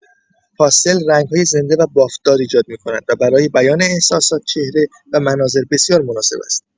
پاستل رنگ‌های زنده و بافت‌دار ایجاد می‌کند و برای بیان احساسات، چهره و مناظر بسیار مناسب است.